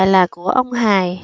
là của ông hài